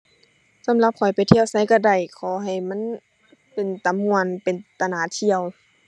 สำหรับข้อยไปเที่ยวไสก็ได้ ขอให้มันเป็นตาม่วน เป็นตาน่าเที่ยว